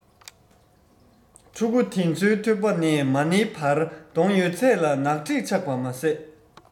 ཕྲུ གུ དེ ཚོའི ཐོད པ ནས མ ནེའི བར གདོང ཡོད ཚད ལ ནག དྲེག ཆགས པ མ ཟད